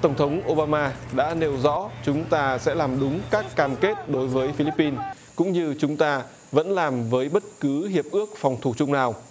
tổng thống ô ba ma đã nêu rõ chúng ta sẽ làm đúng các cam kết đối với phi líp pin cũng như chúng ta vẫn làm với bất cứ hiệp ước phòng thủ chung nào